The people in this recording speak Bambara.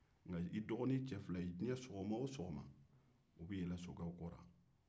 nka diɲɛ sɔgɔma o sɔgɔma i dɔgɔnin fila in bɛ yɛlɛn sokɛw kɔ la